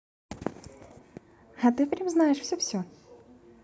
а ты прям знаешь все все